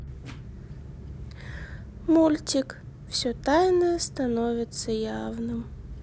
мультик все тайное становится явным